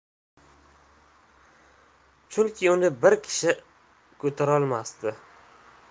chunki uni bir kishi ko'tarolmasdi